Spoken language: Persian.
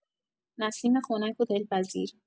نسیم خنک و دلپذیر